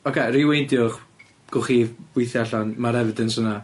Ocê, reweindiwch, gewch chi weithio allan, ma'r evidence yna.